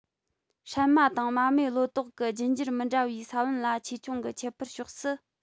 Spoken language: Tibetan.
སྲན མ དང མ རྨོས ལོ ཏོག གི རྒྱུད འགྱུར མི འདྲ བའི ས བོན ལ ཆེ ཆུང གི ཁྱད པར ཕྱོགས སུ